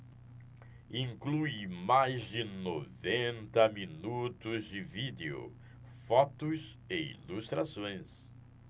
inclui mais de noventa minutos de vídeo fotos e ilustrações